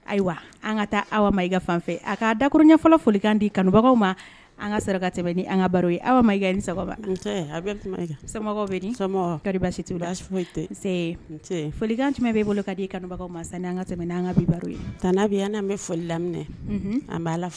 Ayiwa an ka taa aw a ka daurun fɔlɔ folikan di kanubagaw ma an ka saraka tɛmɛ ni an ka baro aw ni foyi folikan kɛmɛ bɛ bolo ka d di kanubaga ma an tɛmɛ an ka baro' bɛ an'an bɛ foli laminɛ an b'a